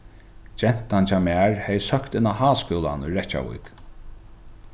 gentan hjá mær hevði søkt inn á háskúlan í reykjavík